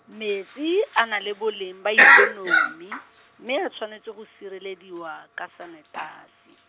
metsi a na le boleng ba ikonomi, mme a tshwanetse go sirelediwa ka sanetasi.